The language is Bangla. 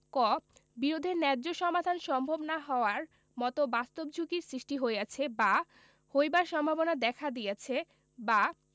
ক বিরোধের ন্যায্য সমাধান সম্ভব না হওয়ার মত বাস্তব ঝুঁকির সৃষ্টি হইয়াছে বা হইবার সম্ভাবনা দেখা দিয়াছে বা